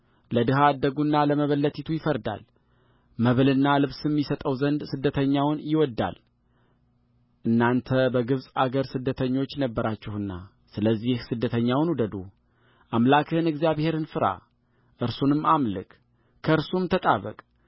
ለድሃ አደጉና ለመበለቲቱ ይፈርዳል መብልና ልብስም ይሰጠው ዘንድ ስደተኛውን ይወድዳል እናንተ በግብፅ አገር ስደተኞች ነበራችሁና ስለዚህ ስደተኛውን ውደዱ አምላክህን እግዚአብሔርን ፍራ እርሱንም አምልክ ከእርሱም ተጣበቅ